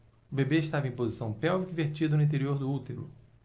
o bebê estava em posição pélvica invertida no interior do útero